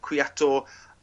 Kwiatko-